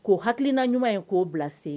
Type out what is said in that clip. K koo hakiliina ɲuman ye k'o bilase